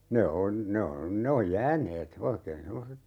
ne on ne on ne on jääneet oikein semmoiset